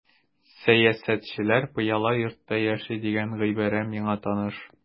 Сәясәтчеләр пыяла йортта яши дигән гыйбарә миңа таныш.